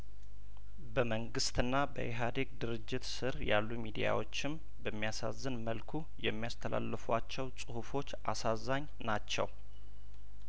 በመንግስትና በኢህአዴግ ድርጅት ስር ያሉ ሚዲያዎችም በሚያሳዝን መልኩ የሚያስተላልፏቸው ጽሁፎች አሳዛኝ ናቸው